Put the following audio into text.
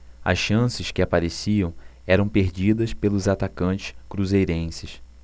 as chances que apareciam eram perdidas pelos atacantes cruzeirenses